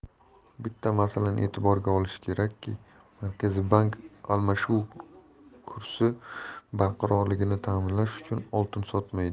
bitta masalani e'tiborga olish kerak ki markaziy bank almashuv kursi barqarorligini ta'minlash uchun oltin sotmaydi